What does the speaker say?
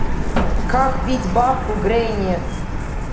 как пить бабку гренни